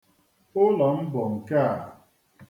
Ụlọ m bụ nke a.